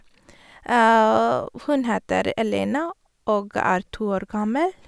Hun heter Elena og er to år gammel.